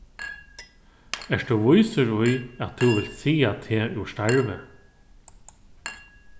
ert tú vísur í at tú vilt siga teg úr starvi